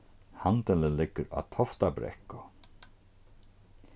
handilin liggur á toftabrekku